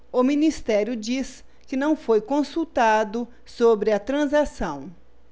o ministério diz que não foi consultado sobre a transação